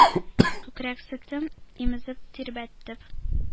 Күкрәк сөтем имезеп, тирбәтеп,